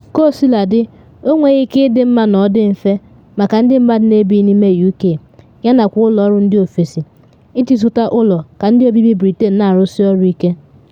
Kaosiladị, ọ nweghị ike ịdị mma na ọ dị mfe maka ndị mmadụ na ebighi n’ime UK, yanakwa ụlọ ọrụ ndị ofesi, iji zụta ụlọ ka ndị obibi Britain na arụsị ọrụ ike.